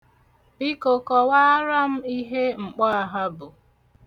Biko, kọwaara ihe mkpọaha bụ.